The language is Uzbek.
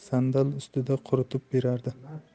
sandal ustida quritib beradi